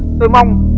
tôi mong